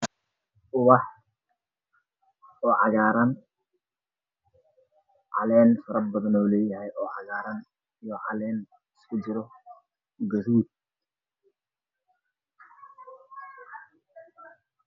Ubax oo cagar calen farabadan oow leyahay oo cagar io gadud